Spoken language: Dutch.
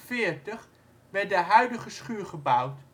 1949 werd de huidige schuur gebouwd